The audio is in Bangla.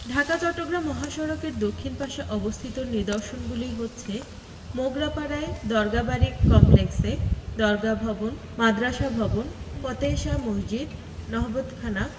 ঢাকা চট্টগ্রাম মহাসড়কের দক্ষিণ পাশে অবস্থিত নিদর্শনগুলি হচ্ছে মোগরাপাড়ায় দরগাহ বাড়ি কমপ্লেক্সে দরগাহ ভবন মাদ্রাসা ভবন ফতেহ শাহ মসজিদ ১৪৮৪ নহবতখানা